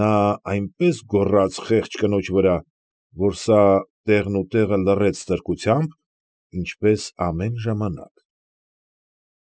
Նա այնպես գոռաց խեղճ կնոջ վրա, որ սա տեղն ու տեղը լռեց ստրկությամբ, ինչպես ամեն ժամանակ։